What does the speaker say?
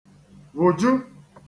wụ̀ju